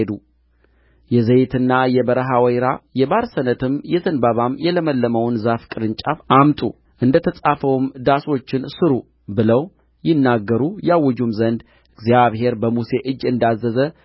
ሂዱ የዘይትና የበረሀ ወይራ የባርሰነትም የዘንባባም የለመለመውን ዛፍ ቅርንጫፍ አምጡ እንደ ተጻፈውም ዳሶችን ሥሩ ብለው ይናገሩ ያውጁም ዘንድ እግዚአብሔር በሙሴ እጅ እንዳዘዘ